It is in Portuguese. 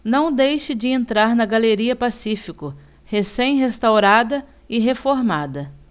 não deixe de entrar na galeria pacífico recém restaurada e reformada